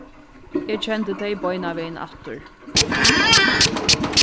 eg kendi tey beinanvegin aftur